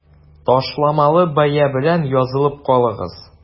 Ташламалы бәя белән язылып калыгыз!